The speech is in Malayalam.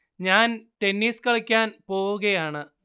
ഞാൻ ടെന്നിസ് കളിക്കാൻ പോവുകയാണ്